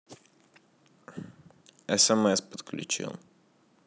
смс подключил